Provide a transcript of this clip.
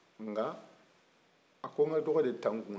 nka a ko n ka dɔgɔ de ta n kun na